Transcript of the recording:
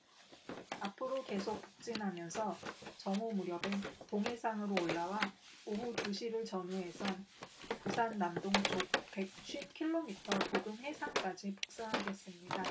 앞으로 계속 북진하면서 정오 무렵엔 동해상으로 올라와 오후 두 시를 전후해선 부산 남동쪽 백 쉰 킬로미터 부근 해상까지 북상하겠습니다